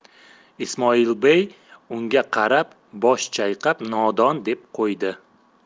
ismoilbey unga qarab bosh chayqab nodon deb qo'ydi